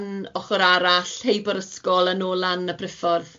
lon ochor arall, heibio'r ysgol a nôl lan y brifforth